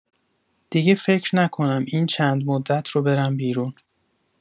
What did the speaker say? دیگه فکر نکنم این چند مدت رو برم بیرون.